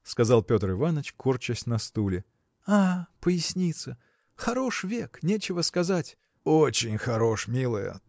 – сказал Петр Иваныч, корчась на стуле. – А! поясница! Хорош век! нечего сказать. – Очень хорош, милая